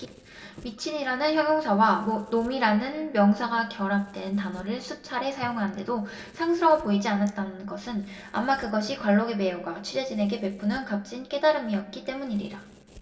미친이라는 형용사와 놈이란 명사가 결합된 단어를 수차례 사용하는데도 상스러워 보이지 않았던 것은 아마 그것이 관록의 배우가 취재진에게 베푸는 값진 깨달음이었기 때문이리라